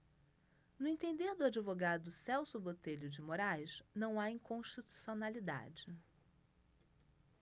no entender do advogado celso botelho de moraes não há inconstitucionalidade